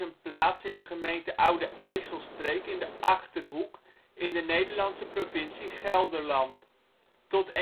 plaats in de gemeente Oude IJsselstreek in de Achterhoek, in de Nederlandse provincie Gelderland. Tot